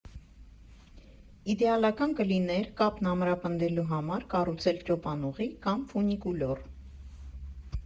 Իդեալական կլիներ կապն ամրապնդելու համար կառուցել ճոպանուղի կամ ֆունիկուլյոր։